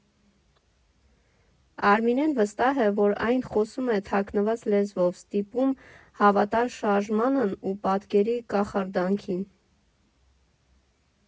Արմինեն վստահ է, որ այն խոսում է թաքնված լեզվով՝ ստիպում հավատալ շարժմանն ու պատկերի կախարդանքին։